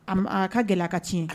A a ka gɛlɛ a ka tiɲɛ.